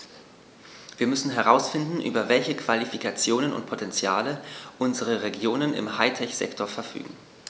Wir müssen herausfinden, über welche Qualifikationen und Potentiale unsere Regionen im High-Tech-Sektor verfügen.